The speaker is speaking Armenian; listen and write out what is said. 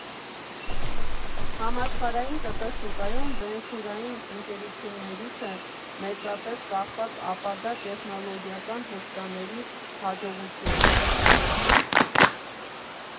Համաշխարհային ՏՏ շուկայում վենչուրային ընկերություններից է մեծապես կախված ապագա տեխնոլոգիական հսկաների հաջողությունը։